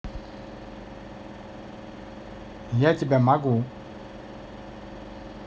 я тебя могу